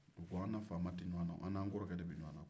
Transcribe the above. u ko an ni faama tɛ ɲwanna an n'an kɔrɔkɛ de bɛ ɲwanna